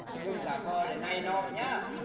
chị đừng giả vờ để này nọ nhá